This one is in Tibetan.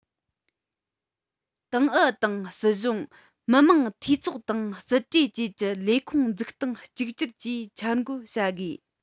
ཏང ཨུ དང སྲིད གཞུང མི དམངས འཐུས ཚོགས དང སྲིད གྲོས བཅས ཀྱི ལས ཁུངས འཛུགས སྟངས གཅིག གྱུར གྱིས འཆར འགོད བྱ དགོས